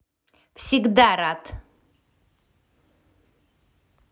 всегда рад